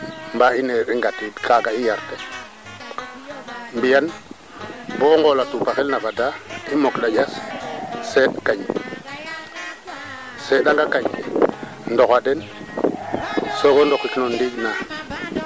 a ret'a bo na loq mbeta ndaq mi feeke yeete yee kaaga xew kaa yaaga mi'yo roog moƴu bo xaye meeke ref ma waaga nga moof a njeg xa loq mbeta ndaq kaaga re'u a mbaaw